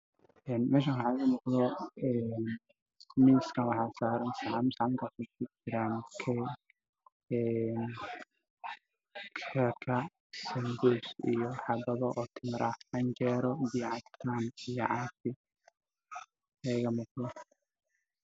Maxaa yeelay saxan miis ayay saaran yahay waxaa ku jira sambuus iyo buskud waxaa ag yaaladii caafi